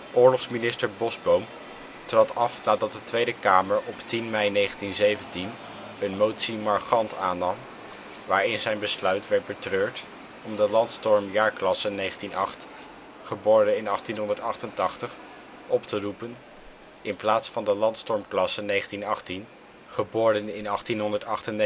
Oorlogsminister Bosboom trad af nadat de Tweede Kamer op 10 mei 1917 een motie-Marchant aannam, waarin zijn besluit werd betreurd om de landstormjaarklasse 1908 (geboren in 1888) op te roepen, in plaats van de landstormklasse 1918 (geboren in 1898